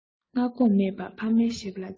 སྔ དགོང མེད པ ཕ མའི ཞབས ལ བཅར